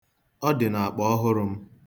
Ọ dị n'akpa ọhụrụ m.